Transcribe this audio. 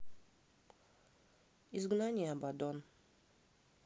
изгнание абаддон